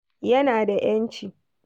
Yana da 'yanci.